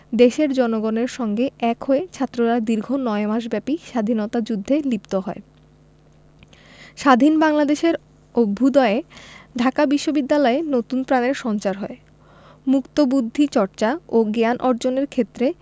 দেশের জনগণের সঙ্গে এক হয়ে ছাত্ররা দীর্ঘ নয় মাসব্যাপী স্বাধীনতা যুদ্ধে লিপ্ত হয় স্বাধীন বাংলাদেশের অভ্যুদয়ে ঢাকা বিশ্ববিদ্যালয়ে নতুন প্রাণের সঞ্চার হয় মুক্তবুদ্ধি চর্চা ও জ্ঞান অর্জনের ক্ষেত্রে